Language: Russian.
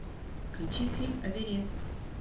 включи фильм эверест